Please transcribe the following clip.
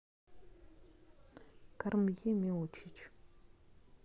кормье миочич